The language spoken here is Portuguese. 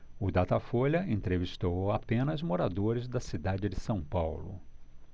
o datafolha entrevistou apenas moradores da cidade de são paulo